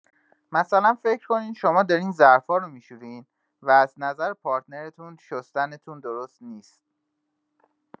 مثلا فکر کنین شما دارین ظرف‌ها رو می‌شورین، و از نظر پارتنرتون شستنتون درست نیست.